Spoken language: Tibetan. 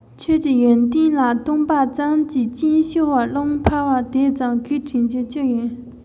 ཁྱོད ཀྱི ཡོན ཏན ལ བཏུངས པ ཙམ གྱིས གཅིན ཤོར བ རླུང འཕར བ དེ ཙམ གས དྲིན རྒྱུ ཅི ཡོད